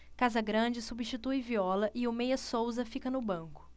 casagrande substitui viola e o meia souza fica no banco